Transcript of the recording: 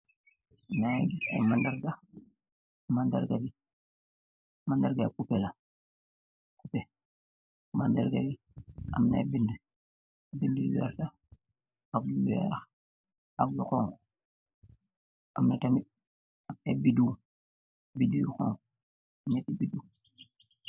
Maangy gis aiiy mandarr gah, mandarr gah yii, mandarr gah yii poupeh la, poupeh, mandarr gah yii amna aiiy bindue, bindue yu vertah ak lu wekh ak lu honhu, amna tamit ahbb aiiy bideww, bideww yu honhu, njehti bideww.